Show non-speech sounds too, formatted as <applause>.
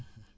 <hesitation> <hesitation>